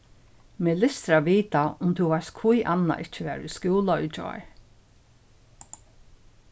meg lystir at vita um tú veitst hví anna ikki var í skúla í gjár